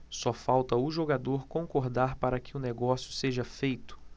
só falta o jogador concordar para que o negócio seja feito